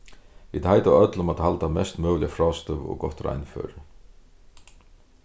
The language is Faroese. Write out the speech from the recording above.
vit heita á øll um at halda mest møguliga frástøðu og gott reinføri